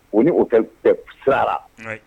U ni o sira